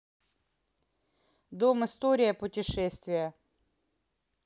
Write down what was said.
дом история путешествия